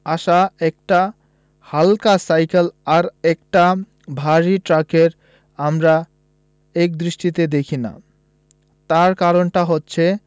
আসা একটা হালকা সাইকেল আর একটা ভারী ট্রাককে আমরা একদৃষ্টিতে দেখি না তার কারণটা হচ্ছে